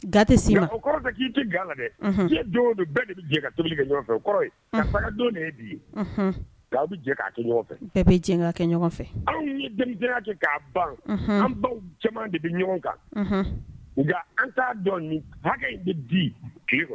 De tobili kɛ fɛ k' bɛ kɛ ɲɔgɔn fɛ bɛɛ bɛ kɛ ɲɔgɔn fɛ anw denmisɛn kɛ k'a ban an baw caman de bɛ ɲɔgɔn kan an t' dɔn hakɛ in bɛ di